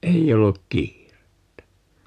ei ollut kiirettä